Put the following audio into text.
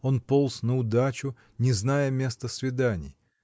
Он полз наудачу, не зная места свиданий.